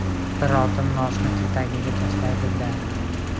bir otim nosni tili tagiga tashlaydi da